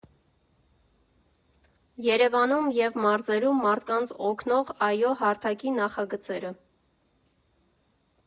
Երևանում և մարզերում մարդկանց օգնող ԱՅՈ հարթակի նախագծերը։